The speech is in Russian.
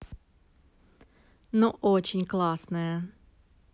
ну очень классная